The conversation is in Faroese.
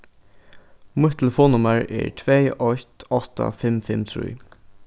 mítt telefonnummar er tvey eitt átta fimm fimm trý